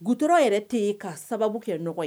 Gt yɛrɛ tɛ yen ka sababu kɛ nɔgɔya ye